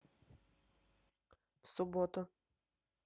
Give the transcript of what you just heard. в субботу